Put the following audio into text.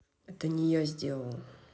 это не я сделала